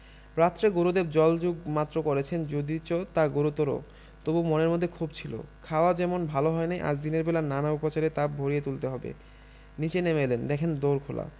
রাত্রে গুরুদেব জলযোগ মাত্র করেছেন যদিচ তা গুরুতর তবু মনের মধ্যে ক্ষোভ ছিল খাওয়া তেমন ভাল হয় নাই আজ দিনের বেলা নানা উপচারে তা ভরিয়ে তুলতে হবে নীচে নেমে এলেন দেখেন দোর খোলা